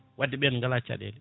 wadde ɓen gala caɗele